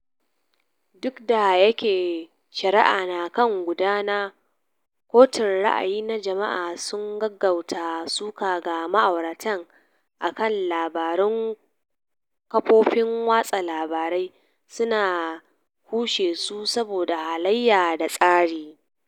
Duk da yake shari'a na kan gudana, kotun ra'ayi na jama'a sun gaggauta suka ga ma'auratan a kan labarun kafofin watsa labarai, su na kushe su saboda halayyarsu da tsarin.